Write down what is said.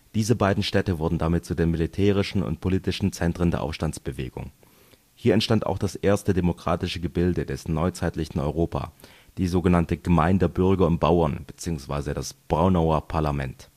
Diese beiden Städte wurden damit zu den militärischen und politischen Zentren der Aufstandsbewegung. Hier entstand auch das erste demokratische Gebilde des neuzeitlichen Europa, die sogenannte Gmein der Bürger und Bauern bzw. das „ Braunauer Parlament